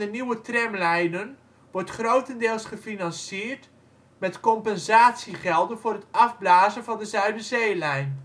nieuwe tramlijnen wordt grotendeels gefinancierd met compensatiegelden voor het afblazen van de Zuiderzeelijn